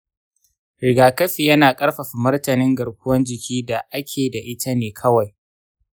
rigakafi yana ƙarfafa martanin garkuwar jiki da ake da ita ne kawai.